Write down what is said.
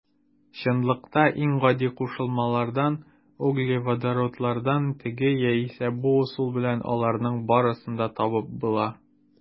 Чынлыкта иң гади кушылмалардан - углеводородлардан теге яисә бу ысул белән аларның барысын да табып була.